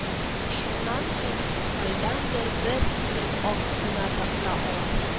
Шуннан соң кайдандыр бер киң ак куна такта алалар